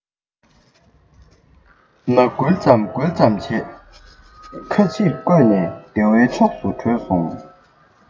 སྣ འགུལ ཙམ འགུལ ཙམ བྱེད ཁ ཕྱིར བསྐོར ནས སྡེ བའི ཕྱོགས སུ བྲོས སོང